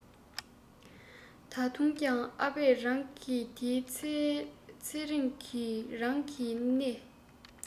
ད དུང ཀྱང ཨ ཕས རང དེའི ཚེ ཚེ རིང གི རང གི གནད